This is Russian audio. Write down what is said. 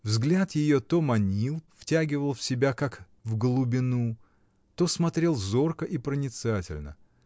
Взгляд ее то манил, втягивал в себя, как в глубину, то смотрел зорко и проницательно.